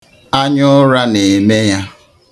Anyaụra na-eme ya.